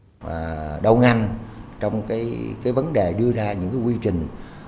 và đầu ngành trong cái cái vấn đề đưa ra những quy trình